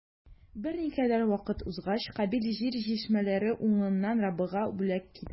Берникадәр вакыт узгач, Кабил җир җимешләре уңышыннан Раббыга бүләк китерде.